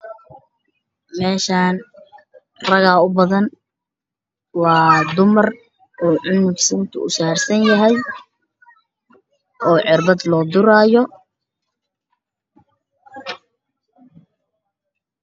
Meeshaan waxaa joogo rag iyo dumar, raga ubadan, gabarna cunug ayaa sinta u saaran oo cirbad laduraayo.